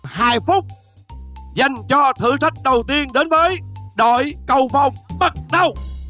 hai phút dành cho thử thách đầu tiên đến với đội cầu vồng bắt đầu